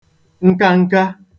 nkanka